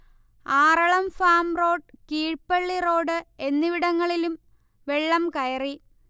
Aralam farm road Keezhpally road എന്നിവിടങ്ങളിലും വെള്ളം കയറി